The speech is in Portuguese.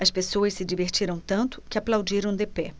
as pessoas se divertiram tanto que aplaudiram de pé